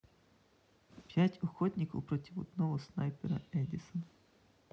пять охотников против одного снайпера эдисон